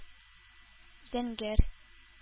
Зәңгәр